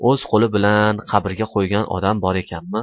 o'z qo'li bilan qabrga qo'ygan odam bor ekanmi